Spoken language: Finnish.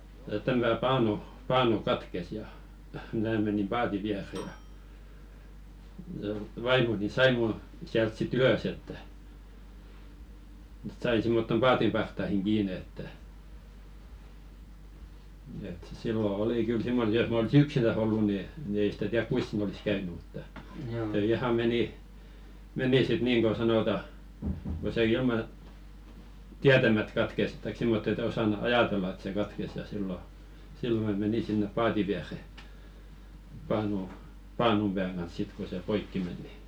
tämä -- paanu paanu katkesi ja minä menin paatin viereen ja ja vaimoni sai minun sieltä sitten ylös että että sai semmottoon paatin partaaseen kiinni että että silloin oli kyllä - jos minä olisin yksinään ollut niin niin ei sitä tiedä kuinka siinä olisi käynyt mutta se ihan meni meni sitten niin kuin sanotaan kun se ilman tietämättä katkesi tai semmottoon että osannut ajatella että se katkesi ja silloin silloin minä menin sinne paatin viereen paanun paanun pään kanssa sitten kun se poikki meni niin